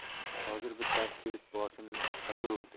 hozir bittasi kelib boshimni qotiruvdi